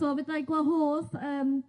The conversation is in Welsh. So fedrai gwahodd yym...